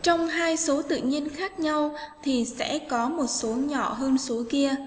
trong số tự nhiên khác nhau thì sẽ có một số nhỏ hơn số kia